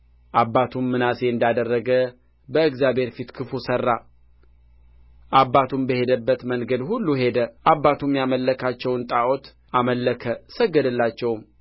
አባቱም በሄደበት መንገድ ሁሉ ሄደ አባቱም ያመለካቸውን ጣዖታት አመለከ ሰገደላቸውም